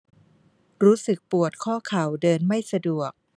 รู้สึกปวดข้อเข่าเดินไม่สะดวก